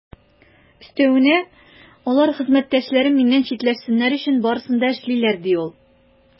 Өстәвенә, алар хезмәттәшләрем миннән читләшсеннәр өчен барысын да эшлиләр, - ди ул.